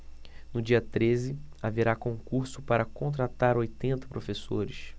no dia treze haverá concurso para contratar oitenta professores